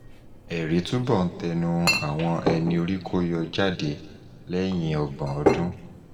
Ẹ̀rí túbọ̀ ń tẹnu àwọn ẹni-orí-kó-yọ jáde lẹ́yìn ọgbọ̀n ọdún.